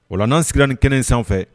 Wɔlan sira nin kɛnɛ in sanfɛ